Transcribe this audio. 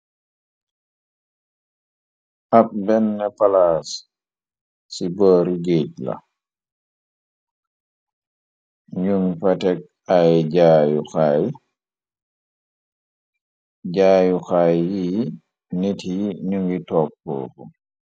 ab benn palaas ci baari géej la nung patek ay jaayu xaay yi nit yi ñu ngi toog pooxu.